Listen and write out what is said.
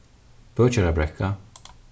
bøkjarabrekka